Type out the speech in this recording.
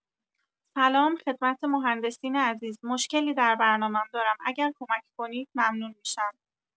سلام خدمت مهندسین عزیز، مشکلی در برنامم دارم اگر کمک کنید ممنون می‌شم.